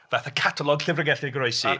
Fatha catalog llyfrgell 'di goroesi.